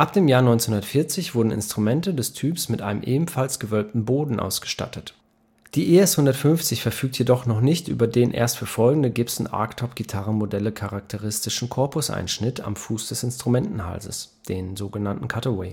dem Jahr 1940 wurden Instrumente des Typs mit einem ebenfalls gewölbten Boden ausgestattet. Die ES-150 verfügt jedoch noch nicht über den erst für folgende Gibson Archtop-Gitarrenmodelle charakteristischen Korpuseinschnitt (Cutaway) am Fuß des Instrumentenhalses. Der